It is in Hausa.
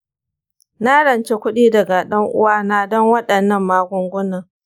na ranci kuɗi daga ɗan’uwana don waɗannan magungunan.